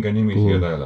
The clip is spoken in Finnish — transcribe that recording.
-